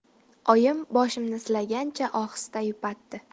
oyim boshimni silagancha ohista yupatdi